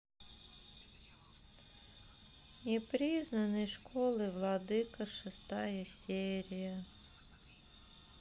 непризнанный школой владыка шестая серия